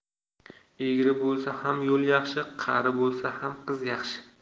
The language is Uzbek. egri bo'lsa ham yo'l yaxshi qari bo'lsa ham qiz yaxshi